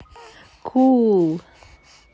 cool